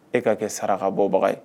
E ka kɛ saraka bɔbaga ye